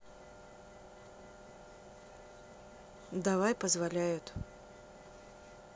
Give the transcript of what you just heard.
давай позволяют